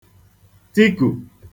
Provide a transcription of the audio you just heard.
tikù